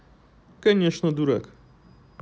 конечно дурак